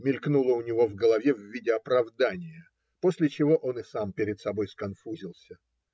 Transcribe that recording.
мелькнуло у него в голове в виде оправдания, после чего он и сам перед собой сконфузился.